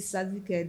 Sadi kɛ